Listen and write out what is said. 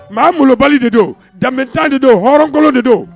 Mɛ angolobali de don jamu tan de do hɔrɔnkolon de don